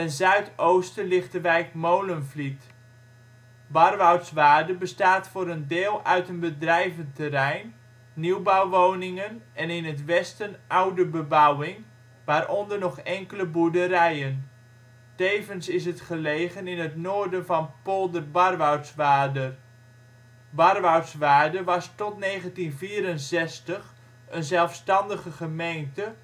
zuidoosten ligt de wijk Molenvliet. Barwoutswaarder bestaat voor een deel uit een bedrijventerrein, nieuwbouwwoningen en in het westen oude bebouwing, waaronder nog enkele boerderijen. Tevens is het gelegen in het noorden van Polder Barwoutswaarder. Barwoutswaarder was tot 1964 een zelfstandige gemeente